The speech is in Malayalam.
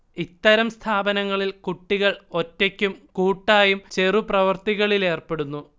ഇത്തരം സ്ഥാപനങ്ങളിൽ കുട്ടികൾ ഒറ്റയ്ക്കും കൂട്ടായും ചെറുപ്രവൃത്തികളിലേർപ്പെടുന്നു